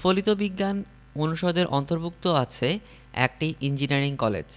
ফলিত বিজ্ঞান অনুষদের অন্তর্ভুক্ত আছে একটি ইঞ্জিনিয়ারিং কলেজ